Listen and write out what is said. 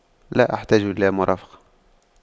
لا احتاج إلى مرافق